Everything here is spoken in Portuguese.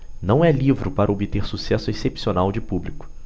não é livro para obter sucesso excepcional de público